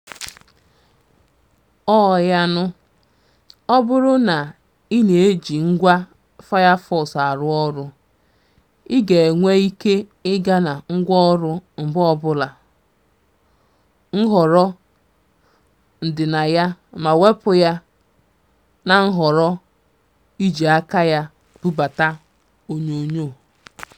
(Ọ yanụ, ọ bụrụ na ị na-eji ngwa Firefox arụ ọrụ, ị ga-enwe ike ị ga na Ngwaọrụ mgbe ọbụla -> Nhọrọ ->Ndịnaya ma wepụ ya na nhọrọ 'iji aka ya bubata onyonyo')